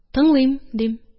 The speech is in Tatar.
Тыңлыйм! – дим